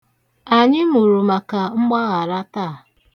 Anyị mụrụ maka mgbaghara taa.